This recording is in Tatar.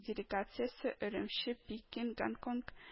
Делегациясе өремче, пекин, гонконг